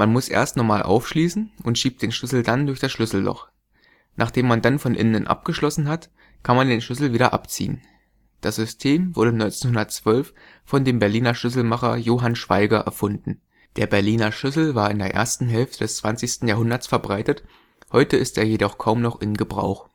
muss erst normal aufschließen und schiebt den Schlüssel dann durch das Schlüsselloch. Nachdem man dann von innen abgeschlossen hat, kann man den Schlüssel wieder abziehen. Das System wurde 1912 von dem Berliner Schlüsselmacher Johann Schweiger erfunden. Der Berliner Schlüssel war in der ersten Hälfte des 20. Jahrhunderts verbreitet, heute ist er jedoch kaum noch in Gebrauch